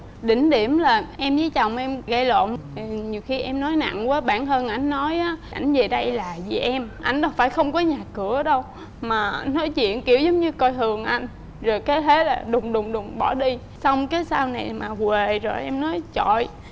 đỉnh điểm là em với chồng em gây lộn nhiều khi em nói nặng quá bản thân ảnh nói á ảnh về đây là vì em ảnh đâu phải là không có nhà cửa đâu mà nói chuyện kiểu giống như coi thường anh rồi cái thế là đùng đùng đùng bỏ đi xong cái sau này mà huề rồi em nói trồ ôi